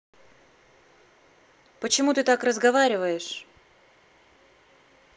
почему ты так разговариваешь